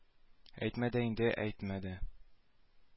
Әйтмә дә инде әйтмә дә